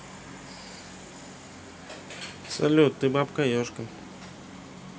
салют ты бабка ежка